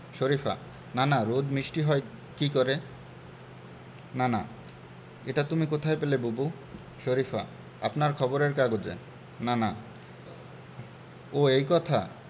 শরিফা নানা রোদ মিষ্টি হয় কী করে নানা এটা তুমি কোথায় পেলে বুবু শরিফা আপনার খবরের কাগজে নানা ও এই কথা